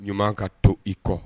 Ɲuman ka to i kɔ